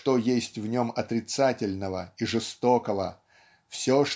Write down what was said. что есть в нем отрицательного и жестокого все